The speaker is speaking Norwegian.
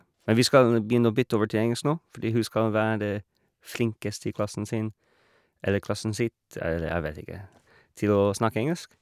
Men vi skal begynne å bytte over til engelsk nå, fordi hun skal være flinkest i klassen sin, eller klassen sitt, eller jeg vet ikke, til å snakke engelsk.